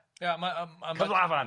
Ia ma' a ma'... Cymlafan!..